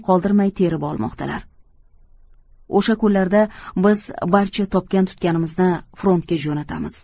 qoldirmay terib olmoqdalar o'sha kunlarda biz barcha topgan tutganimizni frontga jo'natamiz